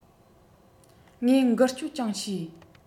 ངས འགུལ སྐྱོད ཀྱང བྱས